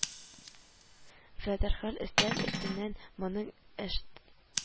Вә дәрхаль өстәл өстеннән моның әш